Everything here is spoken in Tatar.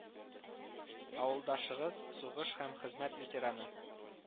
Авылдашыгыз, сугыш һәм хезмәт ветераны